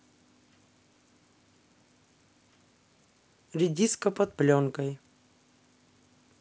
редиска под пленкой